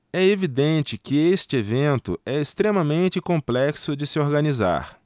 é evidente que este evento é extremamente complexo de se organizar